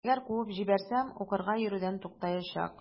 Әгәр куып җибәрсәм, укырга йөрүдән туктаячак.